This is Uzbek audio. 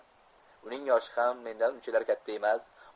uning yoshi ham mendan unchalar katta emas